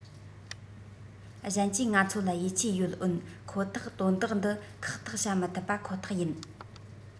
གཞན གྱིས ང ཚོ ལ ཡིད ཆེས ཡོད འོན ཁོ ཐག དོན དག འདི ཁག ཐེག བྱ མི ཐུབ པ ཁོ ཐག ཡིན